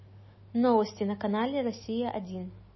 новости на канале россия один